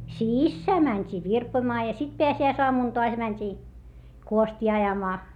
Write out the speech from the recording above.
sisään mentiin virpomaan ja sitten pääsiäisaamuna taas mentiin kuostia ajamaan